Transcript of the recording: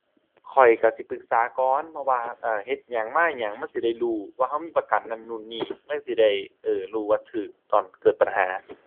ข้อยก็สิปรึกษาก่อน เพราะว่า เอ่อ เฮ็ดหยังมาหยังมันสิได้รู้ว่าก็มีประกันนั่นนู่นนี่ มันสิได้ เอ้อ รู้ว่าก็ ตอนเกิดปัญหา